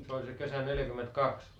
se oli se kesä neljäkymmentäkaksi